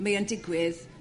Mae yn digwydd